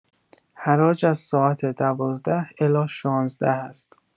حراج از ساعت ۱۲: ۰۰ الی ۱۶: ۰۰ است